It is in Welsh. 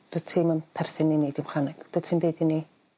Dwt ti'm yn perthyn i ni dim chwaneg. Dwyt ti'm byd i ni.